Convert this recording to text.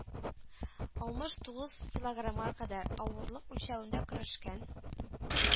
Алмыш тугыз килограммга кадәрге авырлык үлчәвендә көрәшкән.